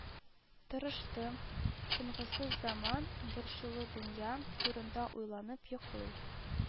Тырышты, «тынгысыз заман, борчулы дөнья» турында уйланып, йоклый